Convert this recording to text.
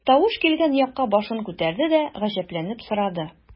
Тавыш килгән якка башын күтәрде дә, гаҗәпләнеп сорады.